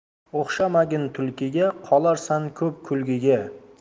o'xshamagin tulkiga qolarsan ko'p kulkiga